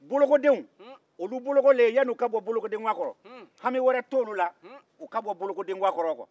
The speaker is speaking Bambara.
bolokodenw olu bolokolen yanni ka bɔ bolokodingɛ kɔrɔ hami wɛrɛ t'olu o ka bɔ bolokodingɛ kɔrɔ kɔ